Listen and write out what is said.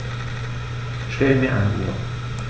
Stell mir eine Uhr.